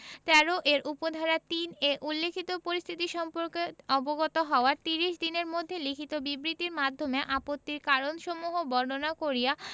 ১৩ এর উপ ধারা ৩ এ উল্লেখিত পরিস্থিতি সম্পর্কে অবগত হওয়ার ত্রিশ দিনের মধ্যে লিখিত বিবৃতির মাধ্যমে আপত্তির কারণসমূহ বর্ণনা করিয়া